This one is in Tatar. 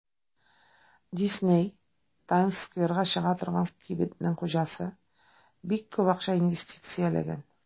Дисней (Таймс-скверга чыга торган кибетнең хуҗасы) бик күп акча инвестицияләгән.